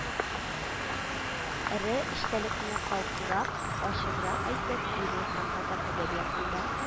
Ре эчтәлекне калкурак, ачыграк әйтеп бирү һәм татар әдәбиятында